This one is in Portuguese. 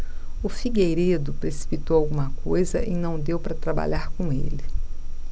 o figueiredo precipitou alguma coisa e não deu para trabalhar com ele